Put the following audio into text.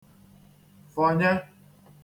fọ̀nye